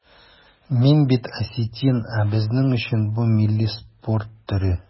Мин бит осетин, ә безнең өчен бу милли спорт төре.